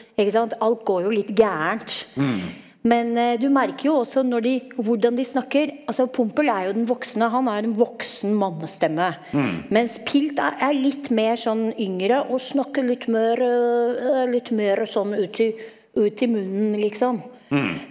ikke sant alt går jo litt gærent, men du merker jo også når de hvordan de snakker, altså Pompel er jo den voksne han er en voksen mannestemme, mens Pilt er er litt mer sånn yngre og snakker litt mer er litt mere sånn uti uti munnen liksom.